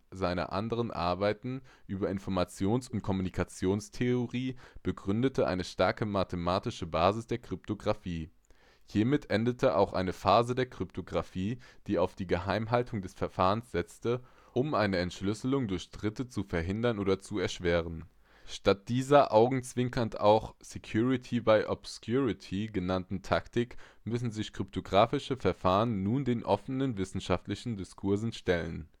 seinen anderen Arbeiten über Informations - und Kommunikationstheorie, begründete eine starke mathematische Basis der Kryptographie. Hiermit endete auch eine Phase der Kryptographie, die auf die Geheimhaltung des Verfahrens setzte, um eine Entschlüsselung durch Dritte zu verhindern oder zu erschweren. Statt dieser – augenzwinkernd auch Security by obscurity genannten – Taktik müssen sich kryptografische Verfahren nun dem offenen wissenschaftlichen Diskurs stellen